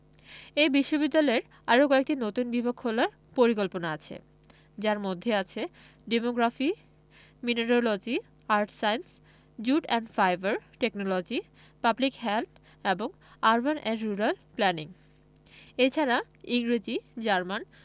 এই বিশ্ববিদ্যালয়ের আরও কয়েকটি নতুন বিভাগ খোলার পরিকল্পনা আছে যার মধ্যে আছে demography mineralogy earth science jute and fibre technology public health এবং আরবান অ্যান্ড রুরাল প্ল্যানিং এছাড়া ইংরেজি জার্মান